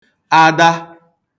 ada